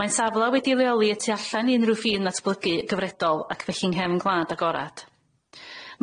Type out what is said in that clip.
Mae'n safle wedi leoli y tu allan i unrhyw ffîn ddatblygu gyfredol ac felly'n nghefn gwlad agorad.